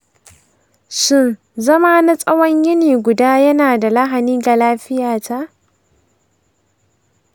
shin zama na tsawon yini guda yana da lahani ga lafiyata?